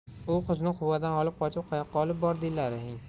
u qizni quvadan olib qochib qayoqqa olib bordilaring